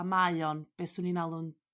a mae o'n be 'swn i'n alw'n